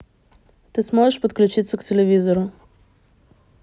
ты сможешь подключиться к телевизору